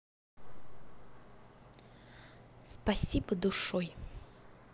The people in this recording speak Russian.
спасибо душой